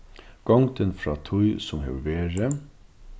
gongdin frá tí sum hevur verið